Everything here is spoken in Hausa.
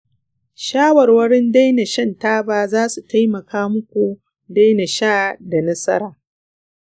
shawarwarin daina shan taba za su taimaka muku daina sha da nasara.